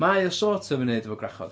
Mae o sort of i wneud efo gwrachod.